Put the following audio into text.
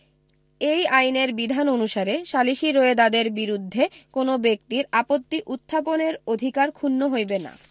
এই আইনের বিধান অনুসারে সালিসী রোয়েদাদের বিরুদ্ধে কোন ব্যক্তির আপত্তি উত্থাপনের অধিকার ক্ষুন্ন হইবে না